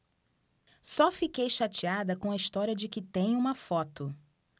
só fiquei chateada com a história de que tem uma foto